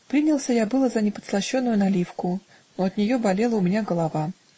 Принялся я было за неподслащенную наливку, но от нее болела у меня голова